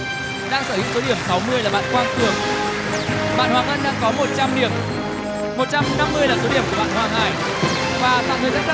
ấy số điểm sáu mươi đoạn qua phường quảng an đã có một trăm điểm một trăm năm mươi hai